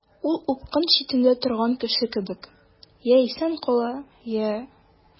Ул упкын читендә торган кеше кебек— я исән кала, я...